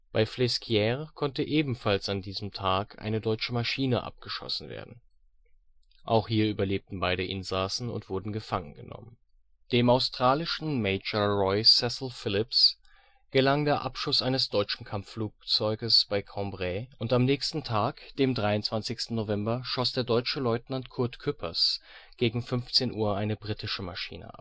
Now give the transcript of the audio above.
Bei Flesquières konnte ebenfalls an diesem Tag eine deutsche Maschine abgeschossen werden. Auch hier überlebten beide Insassen und wurden gefangen genommen. Datei:Sopwith.Camel on the ground.jpg Eine oft eingesetzte Sopwith Camel Dem australischen Major Roy Cecil Phillipps gelang der Abschuss eines deutschen Kampfflugzeugs bei Cambrai und am nächsten Tag, dem 23. November schoss der deutsche Leutnant Kurt Küppers gegen 15:00 Uhr eine britische Maschine